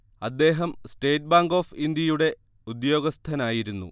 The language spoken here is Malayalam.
അദ്ദേഹം സ്റ്റേറ്റ് ബാങ്ക് ഓഫ് ഇന്ത്യയുടെ ഉദ്യ്യോഗസ്ഥനായിരുന്നു